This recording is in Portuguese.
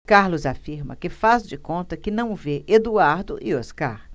carlos afirma que faz de conta que não vê eduardo e oscar